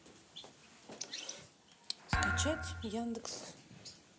скачать яндекс